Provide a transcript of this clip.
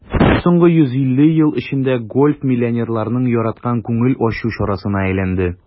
Соңгы 150 ел эчендә гольф миллионерларның яраткан күңел ачу чарасына әйләнде.